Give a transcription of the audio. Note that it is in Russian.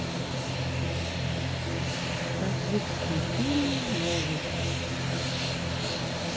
таджикский фильм новый